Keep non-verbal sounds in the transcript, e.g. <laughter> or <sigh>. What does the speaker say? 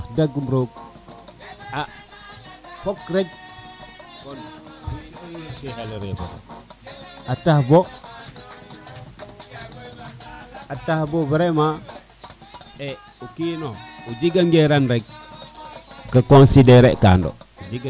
wax deg roog <music> a fok rek <music> a tax bo <music> a tax bo vraiment <music> e kino o jega ngeran rek <music> ko considérer kano